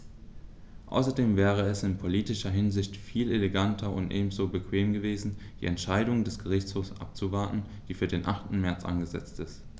Außerdem wäre es in politischer Hinsicht viel eleganter und ebenso bequem gewesen, die Entscheidung des Gerichtshofs abzuwarten, die für den 8. März angesetzt ist.